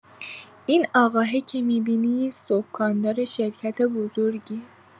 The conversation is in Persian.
این آقاهه که می‌بینی، سکان‌دار شرکت بزرگیه!